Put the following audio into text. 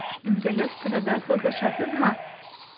ingliz tilida so'zlashasizmi